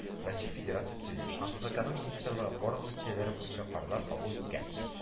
Россия Федирация Төзелеш һәм ТХКаның министрлыгы форум нәтиҗәләре буенча карарлар кабул иткән